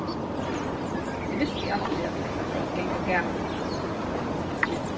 eg visti altíð at hetta fór at ganga galið